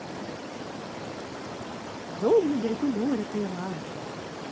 дом на берегу моря таиланд